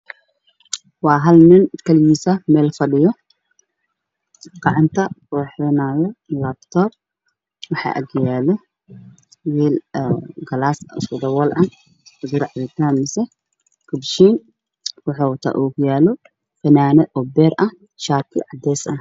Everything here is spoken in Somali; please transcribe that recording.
Waa wiil meel fadhiya oo laabto isticmaalaya midooday ah mis ay u saaran yahay okello ayuu wataa